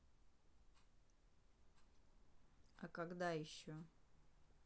а когда еще